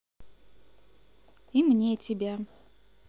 и мне тебя